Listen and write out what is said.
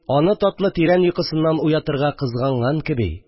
Аны татлы тирән йокысыннан уятырга кызганган кеби